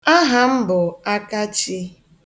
Aha m bụ Akachi.